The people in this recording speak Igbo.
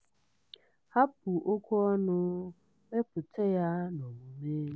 Hapụ okwu ọnụ mepụta ya n'omume.